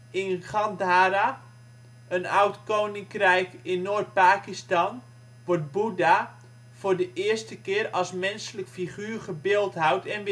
In Gandhara, een oud koninkrijk in Noord-Pakistan, wordt Boeddha voor de eerste keer als menselijke figuur gebeeldhouwd en